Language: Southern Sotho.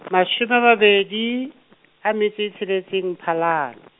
mashome a mabedi, a metso e tsheletseng Mphalane.